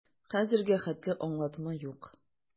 Хәзергә хәтле аңлатма юк.